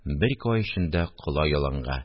Бер-ике ай эчендә кола яланга